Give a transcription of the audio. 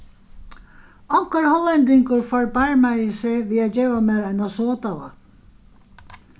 onkur hollendingur forbarmaði seg við at geva mær eina sodavatn